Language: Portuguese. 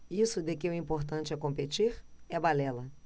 isso de que o importante é competir é balela